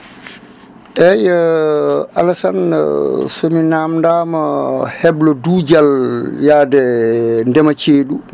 eyyi Alassane somi namdama heblodujal yaade ndeema ceeɗu